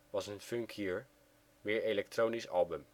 was een funkier, meer elektronisch album